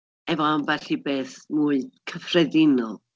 Efo ambell i beth mwy cyffredinol.